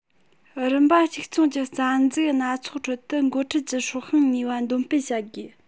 རིམ པ གཅིག མཚུངས ཀྱི རྩ འཛུགས སྣ ཚོགས ཁྲོད དུ འགོ ཁྲིད ཀྱི སྲོག ཤིང ནུས པ འདོན སྤེལ བྱ དགོས